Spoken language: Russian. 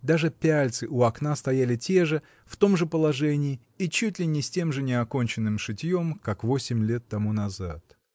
даже пяльцы у окна стояли те же, в том же положении -- и чуть ли не с тем же неконченным шитьем, как восемь лет тому назад.